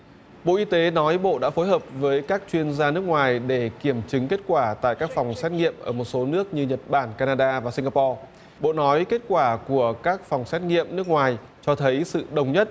bộ y tế nói bộ đã phối hợp với các chuyên gia nước ngoài để kiểm chứng kết quả tại các phòng xét nghiệm ở một số nước như nhật bản ca na đa và sinh ga po bộ nói kết quả của các phòng xét nghiệm nước ngoài cho thấy sự đồng nhất